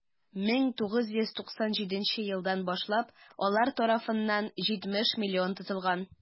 1997 елдан башлап алар тарафыннан 70 млн тотылган.